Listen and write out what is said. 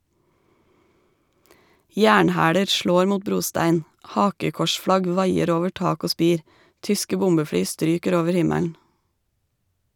Jernhæler slår mot brostein , hakekorsflagg vaier over tak og spir, tyske bombefly stryker over himmelen.